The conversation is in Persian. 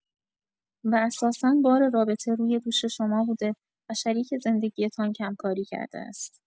و اساسا بار رابطه روی دوش شما بوده و شریک زندگی‌تان کم‌کاری کرده است.